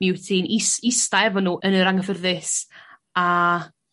Mi wyt ti'n is- ista efo nhw yn yr anghyffyrddus a